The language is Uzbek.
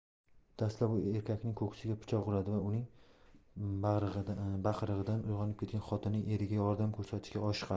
dastlab u erkakning ko'ksiga pichoq uradi uning baqirig'idan uyg'onib ketgan xotini eriga yordam ko'rsatishga oshiqadi